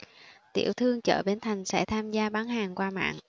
tiểu thương chợ bến thành sẽ tham gia bán hàng qua mạng